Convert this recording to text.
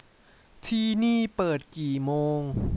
ที่นี่เปิดกี่โมง